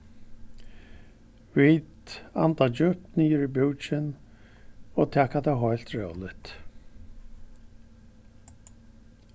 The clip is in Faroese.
vit anda djúpt niður í búkin og taka tað heilt róligt